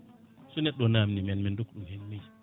so neɗɗo namdi ma en dokkuɗum hen miijo